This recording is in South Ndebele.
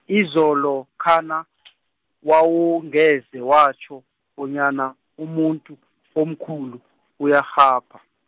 izolokha na , wawungeze watjho, bonyana, umuntu omkhulu, uyarhapha.